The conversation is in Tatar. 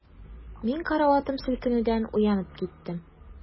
Мин караватым селкенүдән уянып киттем.